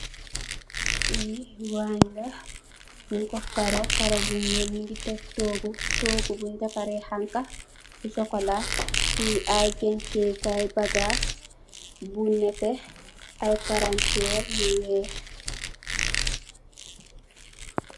Li waañ la ñing ko karó, karó bu ñuul ñu ngi tèg tóógu buñ defarr re xanxa sokola, ay denchee kay bagaas bu netteh ay palanterr yu wèèx.